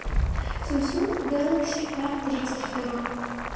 samsung galaxy a тридцать второй